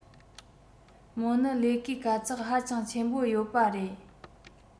མོའི ནི ལས ཀའི དཀའ ཚེགས ཧ ཅང ཆེན པོ ཡོད པ རེད